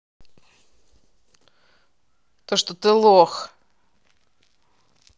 то что ты лох